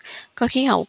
có khí hậu